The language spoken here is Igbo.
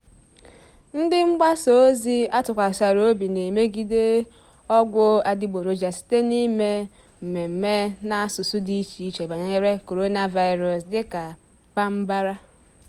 Ndị mgbasaozi a tụkwasara obi na-emegide ọgwụ adigboroja site n'ime mmemme n'asụsụ dị icheiche banyere coronavirus. dịka #bambara